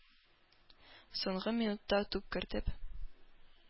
Соңгы минутта туп кертеп,